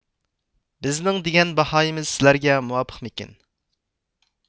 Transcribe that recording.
بىزنىڭ دېگەن باھايىمىز سىلەرگە مۇۋاپىقمىكىن